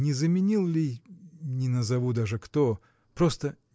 не заменил ли – не назову даже кто – просто